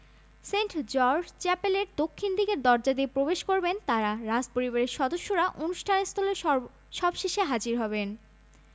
কিন্তু হবু রাজবধূ কাউকেই মেড অব অনার হিসেবে নেবেন না বলে জানিয়েছেন কারণ তাঁর ঘনিষ্ঠ বান্ধবীর সংখ্যা খুব কম মেড অব অনার হিসেবে একজনকে বাছাই করে অন্যদের মনে কষ্ট দিতে চান না তিনি